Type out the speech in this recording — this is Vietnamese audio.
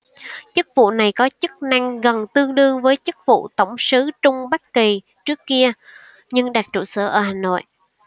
chức vụ này có chức năng gần tương đương với chức vụ tổng sứ trung bắc kỳ trước kia nhưng đặt trụ sở ở hà nội